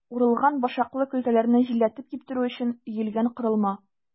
Урылган башаклы көлтәләрне җилләтеп киптерү өчен өелгән корылма.